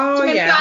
O ie.